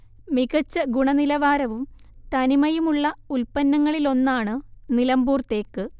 മികച്ച ഗുണനിലവാരവും തനിമയുമുള്ള ഉൽപ്പന്നങ്ങളിലൊന്നാണ് നിലമ്പൂർ തേക്ക്